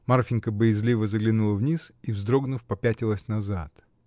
Марфинька боязливо заглянула вниз и, вздрогнув, попятилась назад.